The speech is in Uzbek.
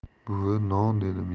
buvi non dedim